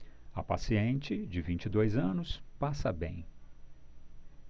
a paciente de vinte e dois anos passa bem